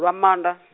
Lwamondo.